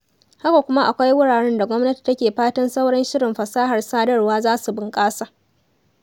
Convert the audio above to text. Haka kuma akwai wuraren da gwamnati take fatan sauran shirin fasahar sadarwa za su bunƙasa.